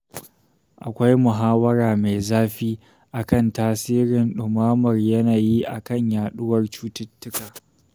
Akwai muhawara mai zafi a kan tasirin ɗumamar yanayi a kan yaɗuwar cututtuka.